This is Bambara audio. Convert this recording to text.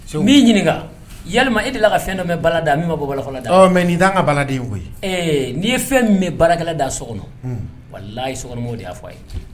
N'i ɲininka ya ila ka fɛn dɔ bɛ bala da min ma bɔ balala da mɛ' da ka baladen koyi n'i ye fɛn bɛ baarakɛla da so kɔnɔ wala ye sokɔnɔmow de y'a fɔ a ye